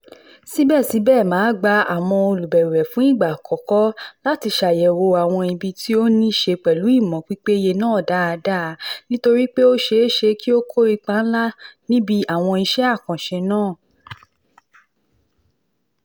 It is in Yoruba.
Síbẹ̀síbẹ̀ máa gba àwọn olùbẹ̀wẹ̀ fún ìgbà àkọ́kọ́ láti ṣàyẹ̀wò àwọn ibi tí ó ní í ṣe pẹ̀lú ìmọ̀ pípéye náà dáadáa, nítorí pé ó ṣeé ṣe kí ó kó ipa ńlá níbi àwọn iṣẹ́ àkànṣe náà.